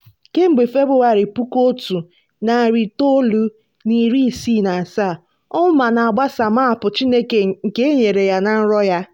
Kemgbe Febụwarị 1967, Ouma na-agbaso maapụ Chineke nke e nyere ya na nrọ ya.